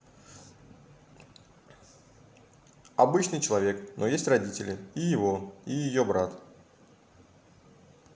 обычный человек но есть родители и его и ее брат